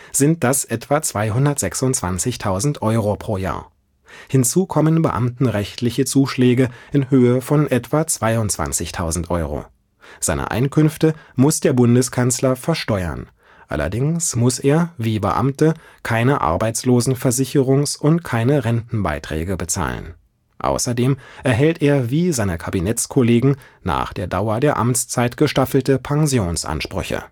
sind das etwa 226.000 € pro Jahr. Hinzu kommen beamtenrechtliche Zuschläge in Höhe von etwa 22.000 €. Seine Einkünfte muss der Bundeskanzler versteuern, allerdings muss er – wie Beamte – keine Arbeitslosenversicherungs - und keine Rentenbeiträge bezahlen. Außerdem erhält er wie seine Kabinettskollegen nach der Dauer der Amtszeit gestaffelte Pensionsansprüche